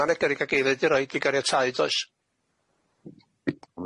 Ma' 'na gyrrug ag eiliad i roid i ganiataid oes?